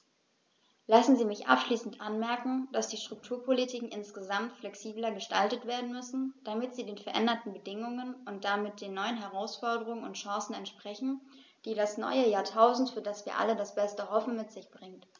Lassen Sie mich abschließend anmerken, dass die Strukturpolitiken insgesamt flexibler gestaltet werden müssen, damit sie den veränderten Bedingungen und damit den neuen Herausforderungen und Chancen entsprechen, die das neue Jahrtausend, für das wir alle das Beste hoffen, mit sich bringt.